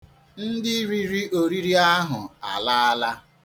Ndị riri oriri ahụ alaala.